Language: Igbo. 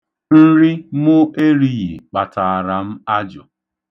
Nri mụ erighị kpataara m ajụ.